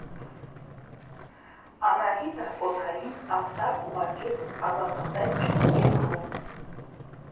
Անահիտը օդային ապտակ ուղարկեց ազատատենչ ընկերուհուն։